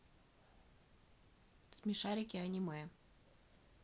смешарики аниме